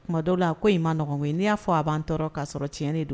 Kuma dɔw la ko i maɔgɔn ye n'i y'a fɔ a'an tɔɔrɔ k'a sɔrɔ tiɲɛnen don